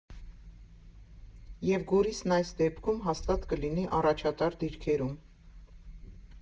Եվ Գորիսն այս դեպքում հաստատ կլինի առաջատար դիրքերում։